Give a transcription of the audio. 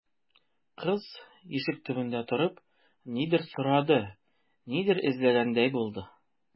Кыз, ишек төбендә торып, нидер сорады, нидер эзләгәндәй булды.